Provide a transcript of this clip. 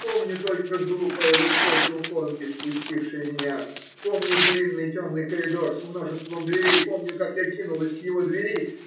Помню только глупое лицо чухонки, впустившей меня, помню длинный темный коридор со множеством дверей, помню, как я кинулась к его двери.